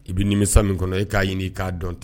I bɛ nimisa min kɔnɔ e k'a ɲini i k'a dɔn tɛ